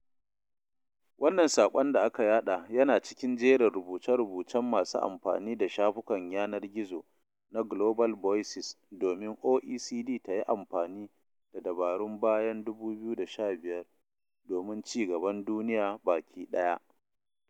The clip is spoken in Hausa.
Wannan saƙon da aka yaɗa yana cikin jerin rubuce-rubucen masu amfani da shafukan yanar gizona Global Voices domin OECD ta yi amfani da dabarun bayan 2015 domin ci gaban duniya baki ɗaya.